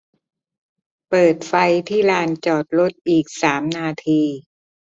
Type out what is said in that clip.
เปิดไฟที่ลานจอดรถอีกสามนาที